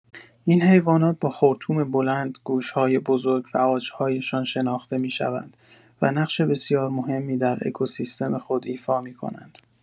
این حیوانات با خرطوم بلند، گوش‌های بزرگ و عاج‌هایشان شناخته می‌شوند و نقش بسیار مهمی در اکوسیستم خود ایفا می‌کنند.